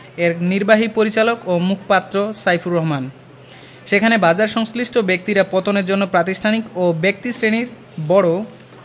এর নির্বাহী পরিচালক ও মুখপাত্র সাইফুর রহমান সেখানে বাজারসংশ্লিষ্ট ব্যক্তিরা পতনের জন্য প্রাতিষ্ঠানিক ও ব্যক্তিশ্রেণির বড়